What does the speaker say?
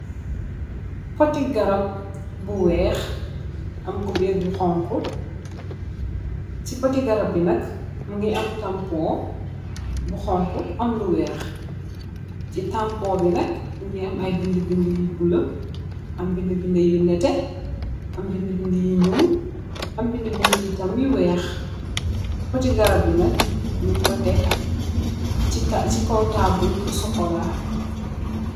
Pot ti garap bu am kuberr bu wekh khuh si pot ti garab binak munge am tampoo bu xong khuh ak bu wekh si tampoo bi nak munge am aye binduh binduh yu xong khuh yu neteh am binduh binduh tam yu wekh pot ti garap bi nak nyung ku tek si kaw tabal bu chocola